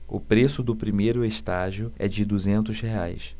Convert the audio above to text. o preço do primeiro estágio é de duzentos reais